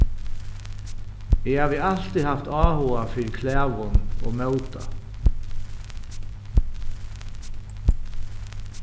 eg havi altíð havt áhuga fyri klæðum og móta